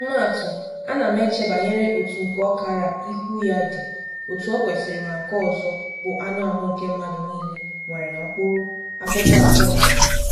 Ọmụmaatụ, ana m eche banyere otu nke ọkara ihu ya dị otú o kwesịrị ma nke ọzọ bụ anụahụ nke mmadụ niile nwere n'okpuru akpụkpọahụ ha.